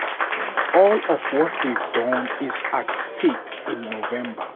"All of what we've done is at stake in November.